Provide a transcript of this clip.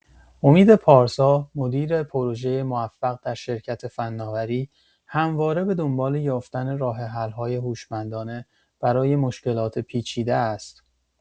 امید پارسا، مدیر پروژه موفق در شرکت فناوری، همواره به دنبال یافتن راه‌حل‌های هوشمندانه برای مشکلات پیچیده است.